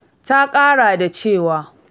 Ta ƙara da cewa: